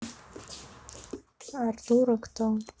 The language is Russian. артур и кто